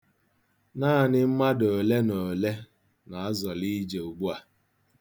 Naanị mmadụ ole na ole na-azọli ije ugbu a.